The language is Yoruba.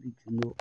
tóbi jùlọ.